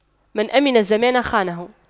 من أَمِنَ الزمان خانه